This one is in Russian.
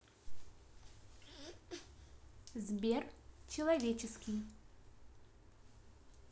сбер человеческий